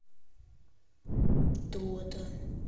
то то